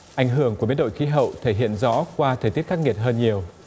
ảnh hưởng của biến đổi khí hậu thể hiện rõ qua thời tiết khắc nghiệt hơn nhiều